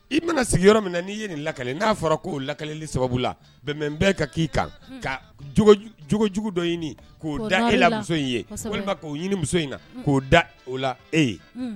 I mana sigiyɔrɔ min n'i ye nin laka n'a fɔra k'o lakali sababu la bɛn bɛɛ ka k'i kan kaogojugu dɔ ɲini k'o dalamuso in ye walima k'o muso in k'o da o la e ye